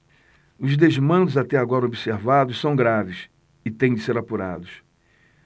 os desmandos até agora observados são graves e têm de ser apurados